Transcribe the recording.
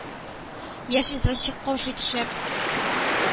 Яшь извозчик, каушый төшеп,